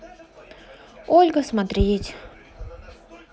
ольга смотреть